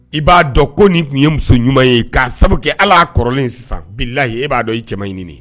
I b'a dɔn ko nin tun ye muso ɲuman ye k'a sababu kɛ ala' kɔrɔlen sisan bilayi e b'a dɔn i cɛɲini ɲini